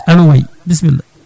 alo oui bisimilla